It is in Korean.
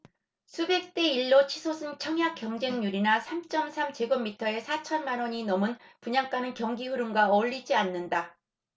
수백 대 일 로 치솟은 청약 경쟁률이나 삼 쩜 삼 제곱미터에 사천 만원이 넘은 분양가는 경기흐름과 어울리지 않는다